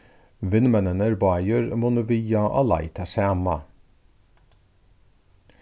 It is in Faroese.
vinmenninir báðir munnu viga á leið tað sama